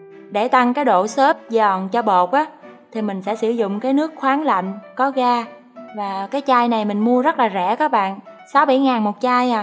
để tăng cái độ xốp giòn cho bột á thì mình sẽ sử dụng nước khoáng lạnh có ga và cái chai này mình mua rất là rẻ các bạn ngàn một chai à